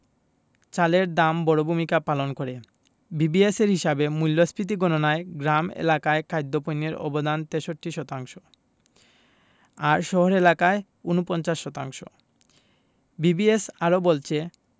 চালের দাম বড় ভূমিকা পালন করে বিবিএসের হিসাবে মূল্যস্ফীতি গণনায় গ্রাম এলাকায় খাদ্যপণ্যের অবদান ৬৩ শতাংশ আর শহর এলাকায় ৪৯ শতাংশ বিবিএস আরও বলছে